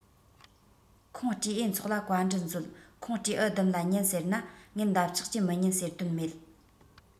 ཁོང སྤྲེའུའི ཚོགས ལ བཀའ འདྲི མཛོད ཁོང སྤྲེའུས སྡུམ ལ ཉན ཟེར ན ངེད འདབ ཆགས ཀྱིས མི ཉན ཟེར དོན མེད